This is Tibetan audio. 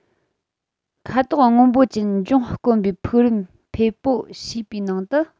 ཁ དོག སྔོན པོ ཅན འབྱུང དཀོན པའི ཕུག རོན ཕེ པོ ཞེས པའི ནང དུ